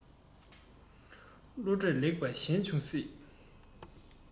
བློ གྲོས ལེགས པ གཞན འབྱུང སྲིད